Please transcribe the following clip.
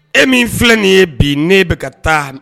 E min filɛ nin ye bi n'e be ka taa